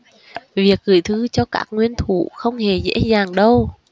việc gửi thư cho các nguyên thủ không hề dễ dàng đâu